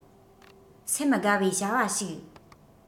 སེམས དགའ བའི བྱ བ ཞིག